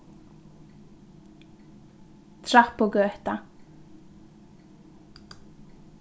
trappugøta